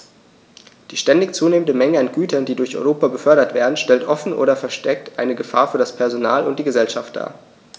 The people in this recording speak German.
Die ständig zunehmende Menge an Gütern, die durch Europa befördert werden, stellt offen oder versteckt eine Gefahr für das Personal und die Gesellschaft dar.